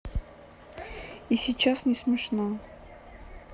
и сейчас не смешно